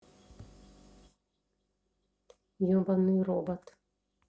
ебаный робот